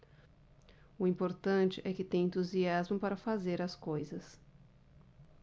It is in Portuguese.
o importante é que tenho entusiasmo para fazer as coisas